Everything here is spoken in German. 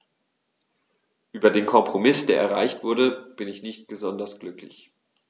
Über den Kompromiss, der erreicht wurde, bin ich nicht besonders glücklich.